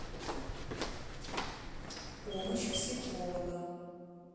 помощь психолога